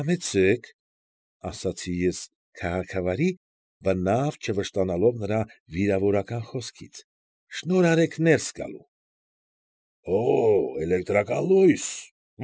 Համեցեք,֊ ասացի ես քաղաքավարի, բնավ չվշտանալով նրա վիրավորական խոսքից։֊ Շնորհ արեք ներս գալու։ ֊ Օ՜օ, էլեկտրական լո՞ւյս։